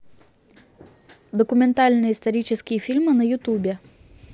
документальные исторические фильмы на ютубе